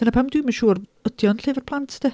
Dyna pam dwi'm yn siŵr ydy o'n llyfr plant de?